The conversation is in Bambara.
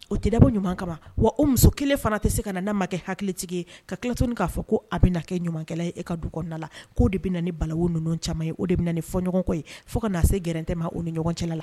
O tɛ dɛbɔ ɲuman kama wa o muso kelen fana tɛ se ka na makɛ hakilitigi ye ka tilet k'a fɔ ko a bɛ na kɛ ɲumankɛla ye e ka du kɔnɔna la ko de bɛ ni bala ninnu caman ye o de bɛ ni fɔɲɔgɔn kɔ ye fo ka na se garantɛ ma o ni ɲɔgɔn cɛla la